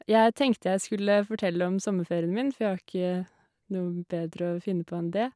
Jeg tenkte jeg skulle fortelle om sommerferien min, for jeg har ikke noe bedre å finne på enn det.